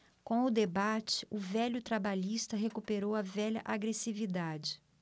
com o debate o velho trabalhista recuperou a velha agressividade